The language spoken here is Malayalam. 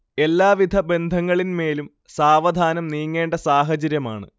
എല്ലാ വിധ ബന്ധങ്ങളിന്മേലും സാവധാനം നീങ്ങേണ്ട സാഹചര്യമാണ്